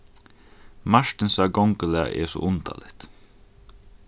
martinsa gongulag er so undarligt